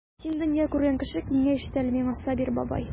Син дөнья күргән кеше, киңәш ит әле миңа, Сабир бабай.